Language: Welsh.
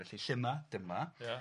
Felly llyma dyma... Ia...